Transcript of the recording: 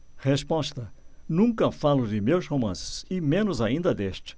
resposta nunca falo de meus romances e menos ainda deste